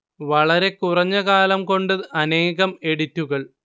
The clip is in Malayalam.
വളരെ കുറഞ്ഞ കാലം കൊണ്ട് അനേകം എഡിറ്റുകൾ